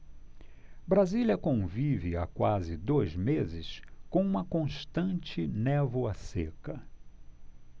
brasília convive há quase dois meses com uma constante névoa seca